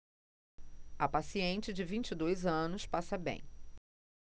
a paciente de vinte e dois anos passa bem